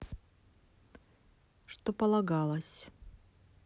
что полагалось